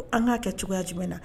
An ga kɛ cogoya jumɛn na?